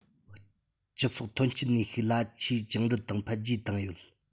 སྤྱི ཚོགས ཐོན སྐྱེད ནུས ཤུགས ལ ཆེས བཅིངས འགྲོལ དང འཕེལ རྒྱས བཏང ཡོད